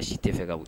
A si tɛ fɛ ka